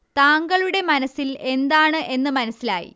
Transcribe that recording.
താങ്കളുടെ മനസ്സിൽ എന്താണ് എന്ന് മനസ്സിലായി